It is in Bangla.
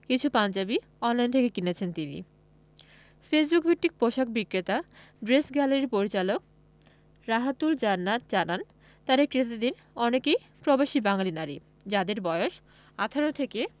কিছু পাঞ্জাবি অনলাইন থেকে কিনেছেন তিনি ফেসবুকভিত্তিক পোশাক বিক্রেতা ড্রেস গ্যালারির পরিচালক রাহাতুল জান্নাত জানান তাঁদের ক্রেতাদের অনেকেই প্রবাসী বাঙালি নারী যাঁদের বয়স ১৮ থেকে